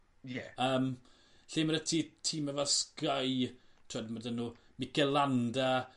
Ie. Yym. Lle ma' 'na tî- time fel Sky t'od ma' 'da n'w Mikel Landa